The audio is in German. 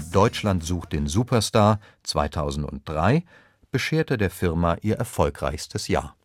Deutschland sucht den Superstar 2003 bescherte der Firma ihr erfolgreichstes Jahr